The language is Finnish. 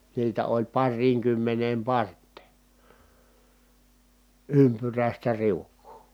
niitä oli pariinkymmeneen parteen ympyräistä riukua